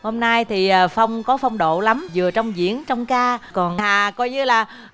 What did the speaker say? hôm nay thì phong có phong độ lắm vừa trong diễn trong ca còn hà coi như là